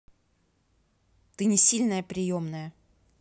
ты не сильная приемная